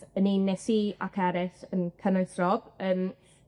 yn un wnes i ac eryll, yn cynnwys Rob yn ...